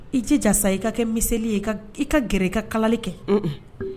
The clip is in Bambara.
I cɛ jasa i ka kɛ mili ye i ka gɛrɛ i ka kalali kɛ